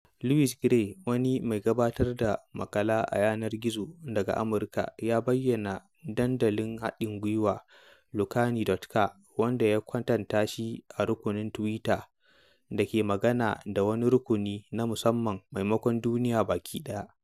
Louis Gray, wani mai gabatar da maƙala a yanar gizo daga Amurka, ya bayyana dandalin haɗin gwiwar Laconi.ca, wanda ya kwatanta shi da "rukunin Twitter" – da ke magana da wani rukuni na musamman maimakon duniya baki ɗaya.